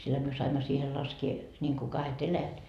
sillähän me saimme siihen laskea niin kuin kahdet eläjät